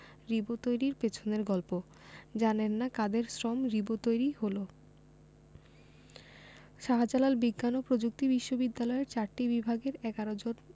রিবো তৈরির পেছনের গল্প জানেন না কাদের শ্রম রিবো তৈরি হলো শাহজালাল বিজ্ঞান ও প্রযুক্তি বিশ্ববিদ্যালয়ের চারটি বিভাগের ১১ জন